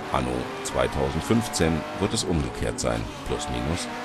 Anno 2015 wird es umgekehrt sein (+/- 18°